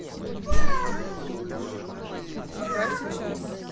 ага сейчас